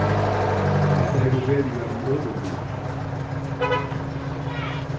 men tað hevur verið í einum øðrum bili